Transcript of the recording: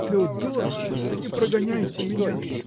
-- Теодор, не прогоняйте меня!